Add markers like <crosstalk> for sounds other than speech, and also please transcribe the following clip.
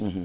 <hesitation> <hesitation>